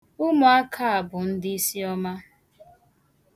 Ụmụaka a bụ ndị isiọma